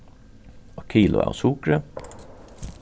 eitt kilo av sukri